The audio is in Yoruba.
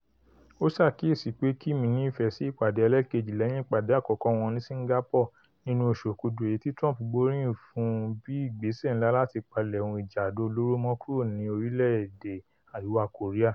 Ó ṣàkíyèsí pé Kim ní ìfẹ́ sí ìpàdé ẹlẹ́ẹ̀keji lẹ́yìn ìpàdé àkọ́kọ́ wọn ní Singapore nínú oṣù Òkúdu èyití Trump gbóríyìn fún bí ìgbésẹ̀ ńlá láti palẹ̀ ohun ìjà àdó olóró mọ́ kúrò ní orílẹ̀-èdè Àriwá Kòrià.